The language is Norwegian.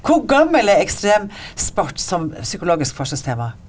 hvor gammel er ekstremsport som psykologisk forskningstema?